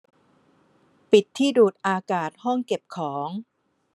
ปิดที่ดูดอากาศห้องเก็บของ